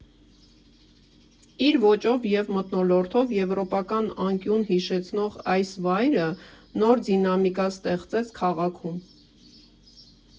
Իր ոճով և մթնոլորտով եվրոպական անկյուն հիշեցնող այս վայրը նոր դինամիկա ստեղծեց քաղաքում։